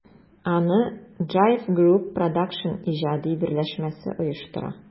Аны JIVE Group Produсtion иҗади берләшмәсе оештыра.